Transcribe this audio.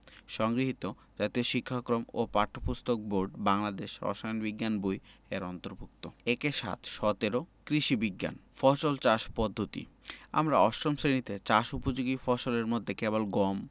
সংগৃহীত জাতীয় শিক্ষাক্রম ও পাঠ্যপুস্তক বোর্ড বাংলাদেশ রসায়ন বিজ্ঞান বই এর অন্তর্ভুক্ত ১৭ কৃষি বিজ্ঞান ফসল চাষ পদ্ধতি আমরা অষ্টম শ্রেণিতে চাষ উপযোগী ফসলের মধ্যে কেবল গম